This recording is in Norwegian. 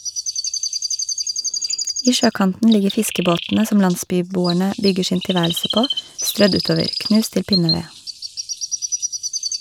I sjøkanten ligger fiskebåtene som landsbyboerne bygger sin tilværelse på, strødd utover, knust til pinneved.